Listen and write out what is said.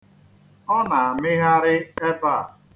Ọ na-amịgharị ebe a.